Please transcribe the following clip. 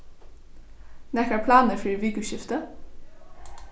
nakrar planir fyri vikuskiftið